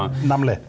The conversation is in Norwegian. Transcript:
nemlig.